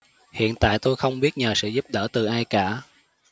hiện tại tôi không biết nhờ sự giúp đỡ từ ai cả